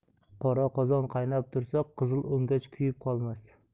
qora qozon qaynab tursa qizilo'ngach kuyib qolmas